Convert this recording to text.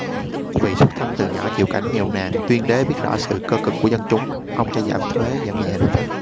vì xuất thân từ nhỏ chịu cảnh nghèo nàn tuyên đế biết rõ sự cơ cực của dân chúng ông cho giảm thuế giảm nhẹ hình phạt